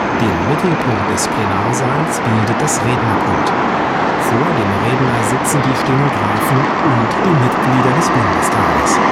Den Mittelpunkt des Plenarsaals bildet das Rednerpult. Vor dem Redner sitzen die Stenografen und die Mitglieder des Bundestages